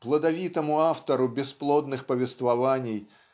плодовитому автору бесплодных повествований